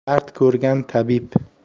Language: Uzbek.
dard ko'rgan tabib